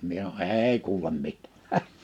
minä sanon ei kuule - häh